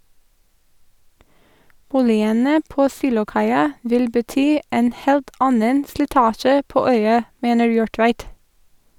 Boligene på Silokaia vil bety en helt annen slitasje på øya, mener Jortveit.